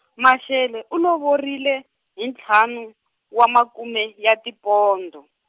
Mashele u lovorile, hi ntlhanu, wa makume, ya tipondo.